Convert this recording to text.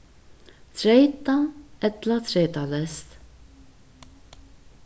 treytað ella treytaleyst